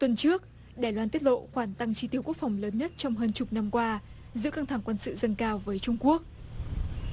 tuần trước đài loan tiết lộ khoản tăng chi tiêu quốc phòng lớn nhất trong hơn chục năm qua giữa căng thẳng quân sự dâng cao với trung quốc